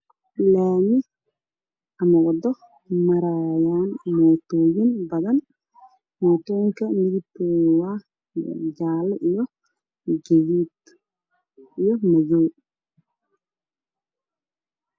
Waa laami ama wato maraayaan mootooyin badan midabkooda waa gaduud iyo jaale iyo madow.